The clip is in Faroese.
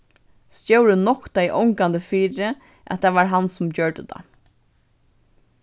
stjórin noktaði ongantíð fyri at tað var hann sum gjørdi tað